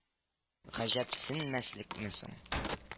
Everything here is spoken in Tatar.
Гаҗәпсенмәслекме соң